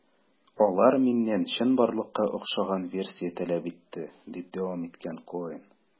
Алар миннән чынбарлыкка охшаган версия таләп итте, - дип дәвам иткән Коэн.